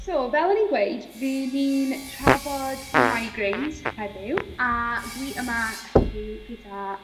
So fel o'n in gweud fy' ni'n trafod migraines heddiw a dwi yma heddiw gyda...